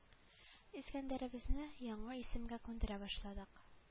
Искәндәребезне яңа исемгә күндерә башладык